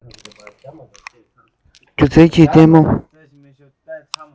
སྒྱུ རྩལ གྱི ལྟད མོ